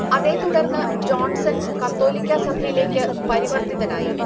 അതേത്തുടർന്ന് Johnson കത്തോലിക്കാസഭയിലെക്ക് പരിവർത്തിതനായി